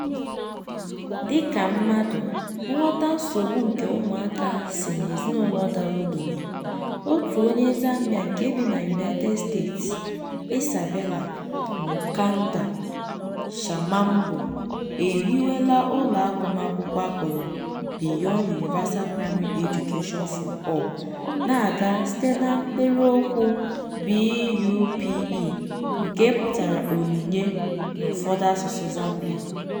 Dịka mmadụ, nghọta nsogbu nke ụmụaka sị n'ezinaụlọ dara ogbenye, otu onye Zambia nke bị na United States, Isabella Mukanda Shamambo, e hiwela ụlọ agụmakwụkwọ a kpọrọ Beyond Universal Primary Education for All na-aga site na mkpịrịokwu, BUPE (nke pụtara "onyinye” n'ụfọdụ asụsụ Zambia).